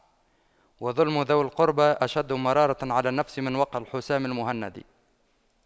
وَظُلْمُ ذوي القربى أشد مرارة على النفس من وقع الحسام المهند